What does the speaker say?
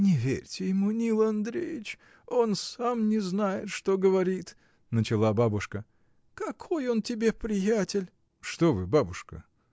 — Не верьте ему, Нил Андреич: он сам не знает, что говорит. — начала бабушка. — Какой он тебе приятель. — Что вы, бабушка!